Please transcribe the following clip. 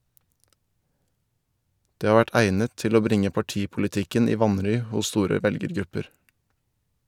Det har vært egnet til å bringe partipolitikken i vanry hos store velgergrupper.